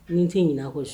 Ni n tɛ ɲina a